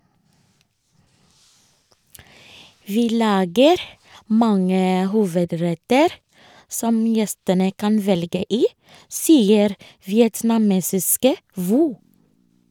- Vi lager mange hovedretter, som gjestene kan velge i, sier vietnamesiske Vo.